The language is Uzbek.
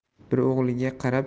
bir o'g'liga qarab